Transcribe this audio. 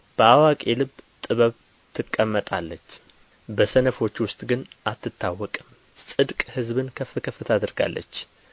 በአዋቂ ልብ ጥበብ ትቀመጣለች በሰነፎች ውስጥ ግን አትታወቅም ጽድቅ ሕዝብን ከፍ ከፍ ታደርጋለች ኃጢአት ግን ሕዝብን ታስነውራለች አስተዋይ አገልጋይ በንጉሥ ዘንድ ይወደዳል በሚያሳፍር ላይ ግን ቍጣው ይሆናል